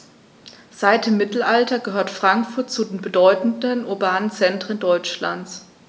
Seit dem Mittelalter gehört Frankfurt zu den bedeutenden urbanen Zentren Deutschlands.